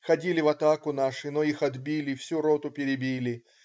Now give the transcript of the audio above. Ходили в атаку наши, но их отбили, всю роту перебили.